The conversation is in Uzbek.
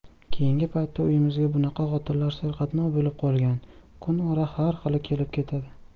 keyingi paytda uyimizga bunaqa xotinlar serqatnov bo'lib qolgan kun ora har xili kelib ketadi